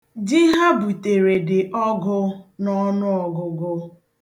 Ji ha butere dị ọgụ n'ọnụọgụgụ.